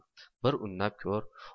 bir unnab ko'r